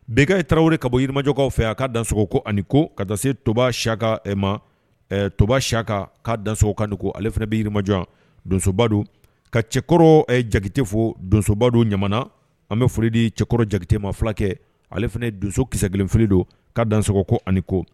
Bɛɛ taraweleraww ka bɔ jiriirimajɔkaw fɛ a ka danko ani ko ka taa se toba siyaka ma toba siyaka kaa dan kan ko ale fana bɛ yirimajɔ donsoba don ka cɛkɔrɔ jakite fo donsoba don ɲa an bɛ foli di cɛkɔrɔ jakite ma fila kɛ ale fana donso kisɛ kelenfili don ka danko ani ko